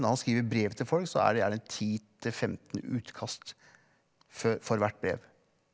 når han skriver brev til folk så er det gjerne ti til 15 utkast for hvert brev.